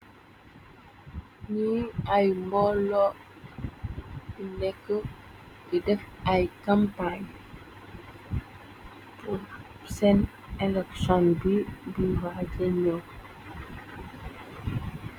ñi ay mbolo nekk bi def ay campañ useen elektion bi bu wa jeñoo